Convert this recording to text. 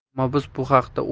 ammo biz bu haqda